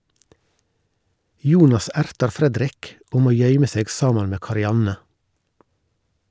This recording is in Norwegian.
Jonas ertar Fredrik, og må gøyme seg saman med Karianne